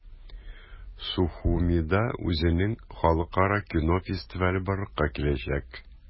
Сухумида үзенең халыкара кино фестивале барлыкка киләчәк.